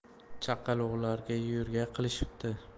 chaqaloqlarga yo'rgak qilishibdi